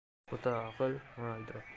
ota aql ona idrok